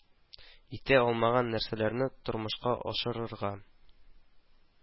Итә алмаган нәрсәләрне тормышка ашырырга